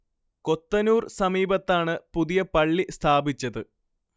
കൊത്തനൂർ സമീപത്താണ് പുതിയ പള്ളി സ്ഥാപിച്ചത്